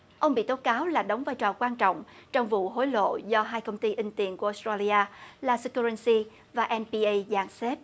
ông bị tố cáo là đóng vai trò quan trọng trong vụ hối lộ do hai công ty in tiền của ốt sờ trây li a là se ciu rần xi và en bi ây dàn xếp